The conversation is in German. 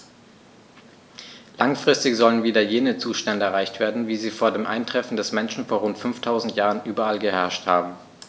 Langfristig sollen wieder jene Zustände erreicht werden, wie sie vor dem Eintreffen des Menschen vor rund 5000 Jahren überall geherrscht haben.